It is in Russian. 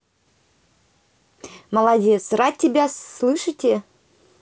молодец рад тебя слышите